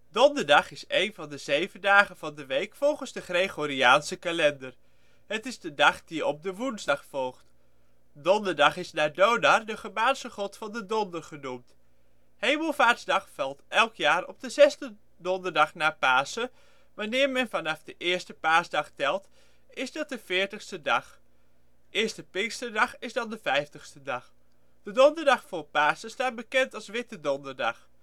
Donderdag is een van de zeven dagen van de week volgens de Gregoriaanse kalender. Het is de dag die op de woensdag volgt. Donderdag is naar Donar, de Germaanse god van de donder, genoemd. Hemelvaartsdag valt elk jaar op de zesde donderdag na Pasen. Wanneer men vanaf Eerste Paasdag telt, is dat de veerstigste dag. Eerste Pinksterdag is dan de vijftigste dag. De donderdag voor Pasen staat bekend als Witte Donderdag